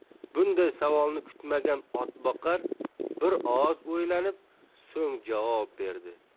bunday savolni kutmagan otboqar bir oz o'ylanib so'ng javob berdi